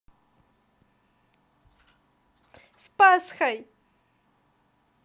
с пасхой